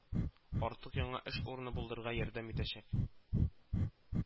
Артык яңа эш урыны булдырырга ярдәм итәчәк